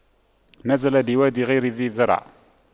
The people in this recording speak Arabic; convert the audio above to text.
نزل بواد غير ذي زرع